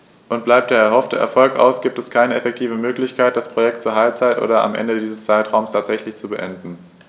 Und bleibt der erhoffte Erfolg aus, gibt es keine effektive Möglichkeit, das Projekt zur Halbzeit oder am Ende dieses Zeitraums tatsächlich zu beenden.